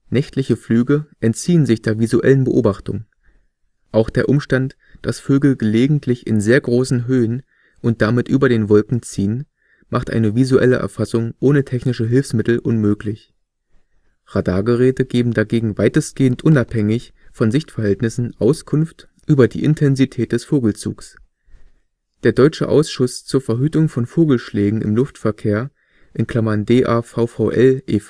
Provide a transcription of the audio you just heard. Nächtliche Flüge entziehen sich der visuellen Beobachtung. Auch der Umstand, dass Vögel gelegentlich in sehr großen Höhen und damit über den Wolken ziehen, macht eine visuelle Erfassung ohne technische Hilfsmittel unmöglich. Radargeräte geben dagegen weitestgehend unabhängig von Sichtverhältnissen Auskunft über die Intensität des Vogelzugs. Der Deutsche Ausschuss zur Verhütung von Vogelschlägen im Luftverkehr (DAVVL e.V.